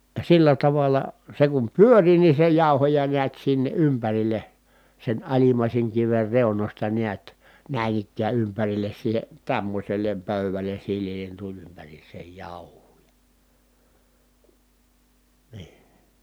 sillä tavalla se kun pyöri niin se jauhoja näet sinne ympärille sen alimmaisen kiven reunoista näet näin ikään ympärille siihen tämmöiselle pöydälle sileälle tuli ympäriinsä jauhoa ja niin